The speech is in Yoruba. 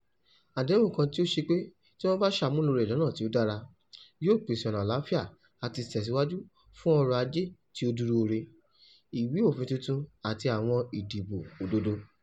Àdéhùn kan tí ó ṣe pé tí wọ́n bá ṣe àmúlò rẹ̀ lọ́nà tó dára, yóò pèsè ọ̀nà àlàáfíà àti tẹ̀síwájú fún ọrọ̀ ajé tí ó dúró re, ìwé òfin tuntun àti àwọn ìdìbò òdodo.